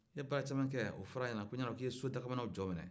i ye baara caman kɛ o fɔra ɲɛna ko n ɲɛla k'i ye so dakabanaw jɔ mɛnɛ